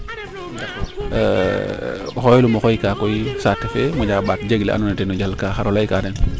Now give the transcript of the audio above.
o xoyolum o xooytka koy saate fee moƴa mbaat jeege le ando naye teno jal kaa xaro ley ka teen